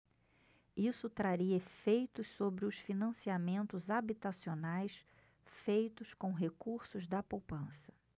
isso traria efeitos sobre os financiamentos habitacionais feitos com recursos da poupança